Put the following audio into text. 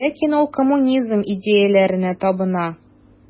Ләкин ул коммунизм идеяләренә табына.